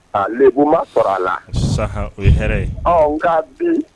A leb ma kɔrɔ a la sa o ye hɛrɛ ye an nka bin